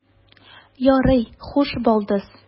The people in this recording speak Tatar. Ярый, хуш, балдыз.